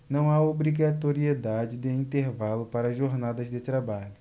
não há obrigatoriedade de intervalo para jornadas de trabalho